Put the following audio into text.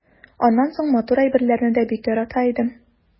Аннан соң матур әйберләрне дә бик ярата идем.